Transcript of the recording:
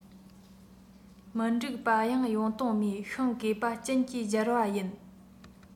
མི འགྲིག པ ཡང ཡོང དོན མེད ཤིང གས པ སྤྱིན གྱིས སྦྱར བ ཡིན